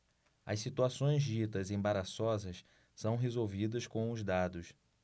as situações ditas embaraçosas são resolvidas com os dados